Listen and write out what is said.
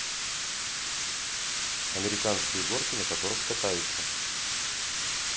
американские горки на которых катаются